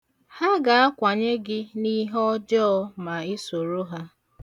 Ha ga-akwanye gị n'ihe ọjọọ ma ị soro ha.